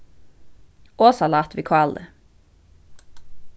og salat við káli